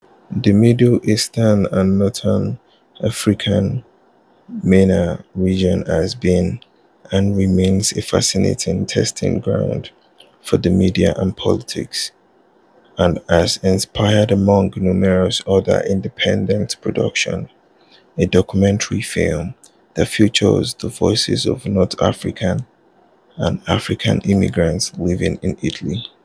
The Middle Eastern and North African (MENA) region has been (and remains) a fascinating testing ground for the media and politics and has inspired, among numerous other independent productions, a documentary film that features the voices of North African and African immigrants living in Italy.